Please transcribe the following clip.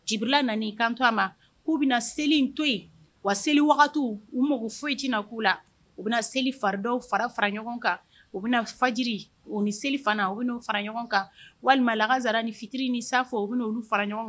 Cibila nana ii kanto to a ma k'u bɛna seli to yen wa seli wagati u mako foyi jna k'u la u bɛna seli fari dɔw fara fara ɲɔgɔn kan u bɛ faji u ni selifana u bɛ no fara ɲɔgɔn kan walima lakasara ni fitiri ni safo u bɛ uolu fara ɲɔgɔn kan